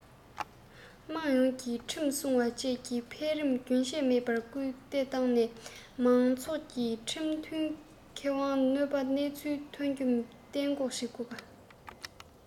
དམངས ཡོངས ཀྱིས ཁྲིམས སྲུང བ བཅས ཀྱི འཕེལ རིམ ལ རྒྱུན ཆད མེད པར སྐུལ འདེད བཏང ནས མང ཚོགས ཀྱི ཁྲིམས མཐུན ཁེ དབང ལ གནོད པའི གནས ཚུལ ཐོན རྒྱུ གཏན འགོག བྱེད དགོས